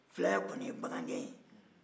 filaya kɔni ye bagangɛn ye